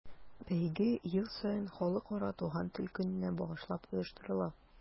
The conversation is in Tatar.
Бәйге ел саен Халыкара туган тел көненә багышлап оештырыла.